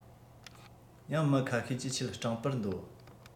ཡང མི ཁ ཤས ཀྱིས ཁྱེད སྤྲིངས པ འདོད